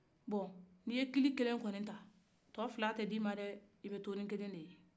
ko ni ye kili kelen kɔni ta tɔ fila tɛ di ima dɛ i bɛ tɔ ni kelen ye